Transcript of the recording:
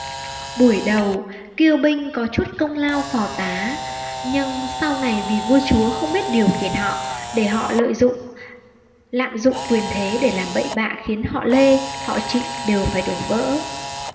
buổi đầu kiêu binh có chút công lao phò tá nhưng sau này vì vua chúa không biết điều khiển họ để họ lợi dụng lạm dụng quyền thế để làm bậy bạ khiến họ lê họ trịnh đều phải đổ vỡ